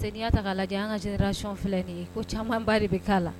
Ni ya ta lajan anw ka génération filɛ nin ye. Ko caman ba de bi ka la.